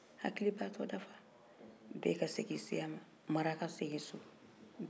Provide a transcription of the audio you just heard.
bɛɛ ka segin i siya ma mara ka segin so